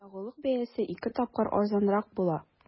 Ягулык бәясе ике тапкыр арзанрак була.